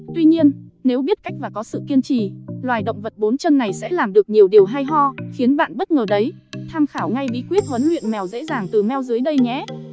tuy nhiên nếu biết cách và có sự kiên trì loài động vật bốn chân này sẽ làm được nhiều điều hay ho khiến bạn bất ngờ đấy tham khảo ngay bí quyết huấn luyện mèo dễ dàng từ meow dưới đây nhé